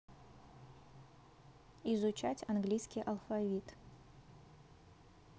изучать английский алфавит